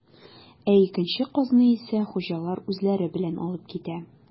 Ә икенче казны исә хуҗалар үзләре белән алып китә.